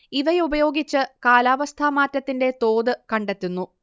ഇവയുപയോഗിച്ച് കാലാവസ്ഥാ മാറ്റത്തിന്റെ തോത് കണ്ടെത്തുന്നു